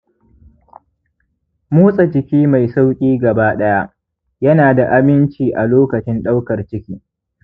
motsa jiki mai sauƙi gabaɗaya yana da aminci a lokacin daukar ciki.